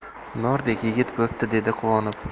nordek yigit bo'pti dedi quvonib